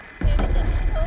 nó